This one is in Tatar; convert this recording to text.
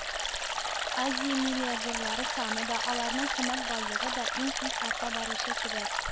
Азия – миллиардерлар саны да, аларның күмәк байлыгы да иң тиз арта баручы төбәк.